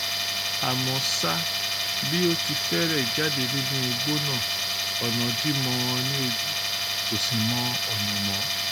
Àmọ́ ṣá, bí ó ti fẹ́ẹ́ jáde nínú igbó náà, ọ̀nà dí mọ́n ọn ní ojú, kò sì mọ ọ̀nà mọ́.